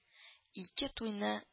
Ике туйны